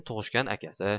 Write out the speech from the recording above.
tug'ishgan akasi